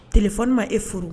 Téléphone ma e furu